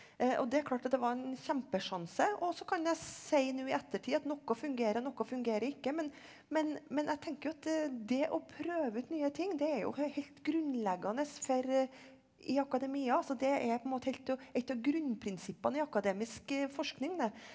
og det er klart at det var en kjempesjanse og så kan jeg si nå i ettertid at noe fungerer og noe fungerer ikke men men men jeg tenker jo at det å prøve ut nye ting det er jo helt grunnleggende for i akademia altså det er på en måte helt og et av grunnprinsippene i akademisk forskning det.